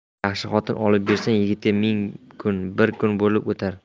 yaxshi xotin olib bersang yigitga ming kuni bir kun bo'lib o'tar